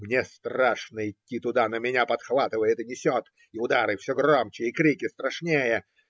мне страшно идти туда, но меня подхватывает и несет, и удары все громче, и крики страшнее.